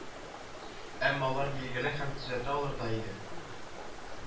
Әмма алар билгеле һәм төзәтә алырдай да иде